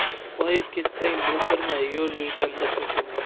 boyib ketsang bo'kirma yo'l yurganda so'kinma